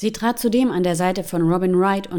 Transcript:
trat zudem an der Seite von Robin Wright